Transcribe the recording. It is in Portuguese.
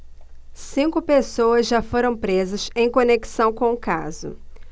cinco pessoas já foram presas em conexão com o caso